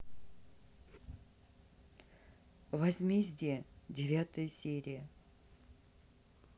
возмездие девятая серия